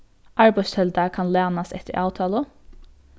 arbeiðstelda kann lænast eftir avtalu